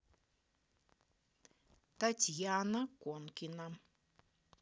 татьяна конкина